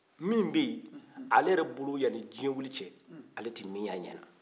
min bɛ yen ale yɛrɛ bolo yanni diɲɛ wuli cɛ ale tɛ min ye a ɲɛ na